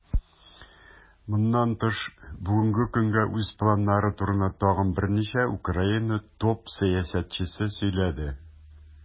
Моннан тыш, бүгенге көнгә үз планнары турында тагын берничә Украина топ-сәясәтчесе сөйләде.